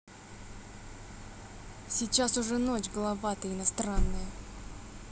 сейчас уже ночь голова ты иностранная